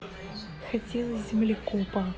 хотела землекопа